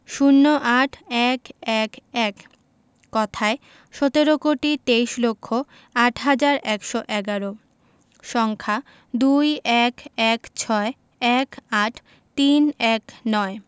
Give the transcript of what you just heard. ০৮ ১১১ কথায়ঃ সতেরো কোটি তেইশ লক্ষ আট হাজার একশো এগারো সংখ্যাঃ ২১ ১৬ ১৮ ৩১৯